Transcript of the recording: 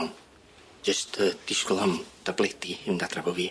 Jyst yy disgwl am dabledi i fynd adra efo fi.